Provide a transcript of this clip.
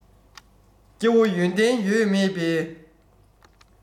སྐྱེ བོ ཡོན ཏན ཡོད མེད པའི